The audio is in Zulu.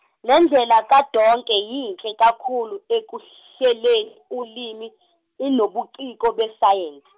lendlela kaDonke yinhle kakhulu ekuhleleni ulimi, inobuciko besayensi.